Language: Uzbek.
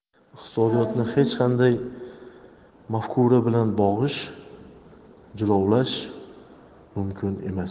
iqtisodiyotni hech qanday mafkura bilan bo'g'ish jilovlash mumkin emas